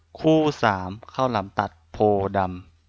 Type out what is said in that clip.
คู่สามข้าวหลามตัดโพธิ์ดำ